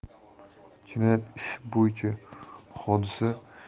jinoyat ishi bo'yicha hodisa joyi ko'zdan